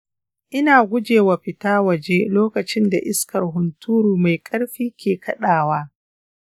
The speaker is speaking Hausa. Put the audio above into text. ina gujewa fita waje lokacin da iskar hunturu mai ƙarfi ke kaɗawa.